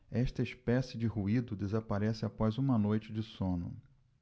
esta espécie de ruído desaparece após uma noite de sono